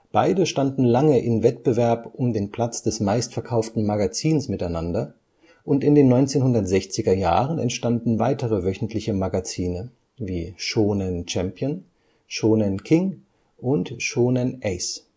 Beide standen lange in Wettbewerb um den Platz des meistverkauften Magazins miteinander und in den 1960er Jahren entstanden weitere wöchentliche Magazine wie Shōnen Champion, Shōnen King und Shōnen Ace